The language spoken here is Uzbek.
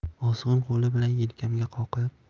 ozg'in qo'li bilan yelkamga qoqib